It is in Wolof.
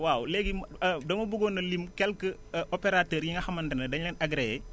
waaw léegi dama buggoon a lim quelques opérateurs yi nga xamante ne dañ leen agréés